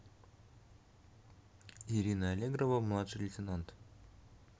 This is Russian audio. ирина аллегрова младший лейтенант